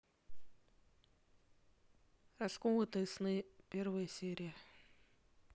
расколотые сны первая серия